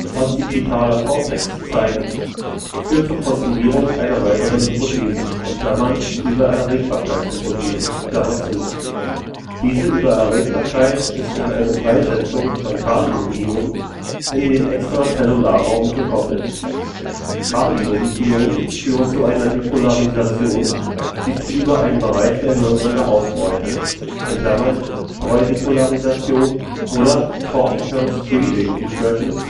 occipitaler Cortex) zeigen, führte zur Postulierung einer weiteren Hypothese (Übererregbarkeitshypothese). Diese Übererregbarkeit ist an eine Freisetzung von Kaliumionen in den Extrazellularraum gekoppelt. Kaliumionen führen zu einer Depolarisation, die sich über einen Bereich der Hirnrinde ausbreitet (Streudepolarisierung oder Cortical spreading depression